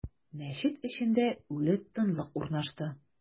Мәчет эчендә үле тынлык урнашты.